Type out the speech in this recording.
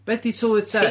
Be 'di tylwyth st- teg?